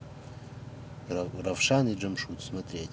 равшан и джамшут смотреть